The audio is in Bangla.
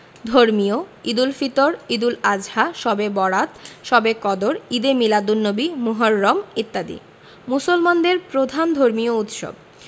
ধর্মীয় ঈদুল ফিত্ র ঈদুল আযহা শবে বরআত শবে কদর ঈদে মীলাদুননবী মুহররম ইত্যাদি মুসলমানদের প্রধান ধর্মীয় উৎসব